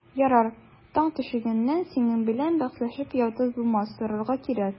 Ярар, таң тишегеннән синең белән бәхәсләшеп ятып булмас, торырга кирәк.